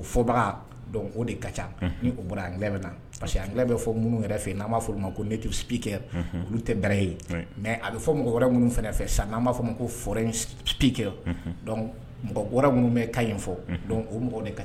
O fɔbaga donc o de ka can unhun ni o bɔra ye anglais bɛ na parce que anglais bɛ fɔ munnu yɛrɛ fɛ ye n'an b'a fɔ olu ma ko native speaker unhun olu tɛ bɛrɛ ye oui mais a bɛ fɔ mɔgɔ wɛrɛw minnu fɛnɛ fɛ san n'an b'a f'ɔ ma ko foreign speaker unhun donc mɔgɔ wɛrɛ minnu bɛ kan in fɔ unhun donc o mɔgɔ de ka